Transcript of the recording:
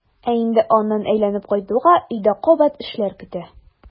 Ә инде аннан әйләнеп кайтуга өйдә кабат эшләр көтә.